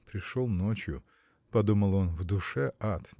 Пришел ночью, – подумал он, – в душе ад.